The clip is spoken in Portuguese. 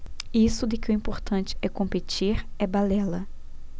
isso de que o importante é competir é balela